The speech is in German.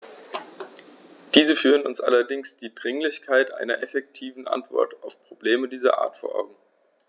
Diese führen uns allerdings die Dringlichkeit einer effektiven Antwort auf Probleme dieser Art vor Augen.